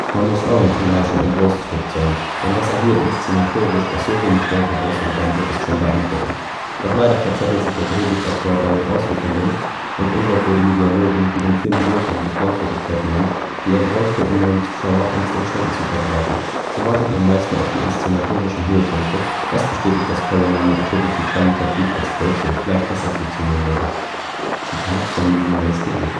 muss Oren Peli schon ein großes Lob zollen, denn was er hier inszenatorisch aus so wenig Geld heraus holen konnte, ist schon beeindruckend. Doch leider verzettelt sich der Drehbuchautor bei den ausufernden und unglaubwürdigen Dialogen, die dem Film die notwendige Glaubwürdigkeit nehmen, die er bräuchte, um beim Zuschauer Angst und Schrecken zu verbreiten. So wartet man meist nur auf die inszenatorischen Höhepunkte, was bestätigt, dass Paranormal Activity qualitativ als Kurzfilm vielleicht besser funktionieren würde. “– Moviemaze.de